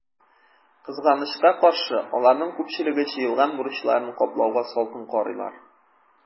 Кызганычка каршы, аларның күпчелеге җыелган бурычларын каплауга салкын карыйлар.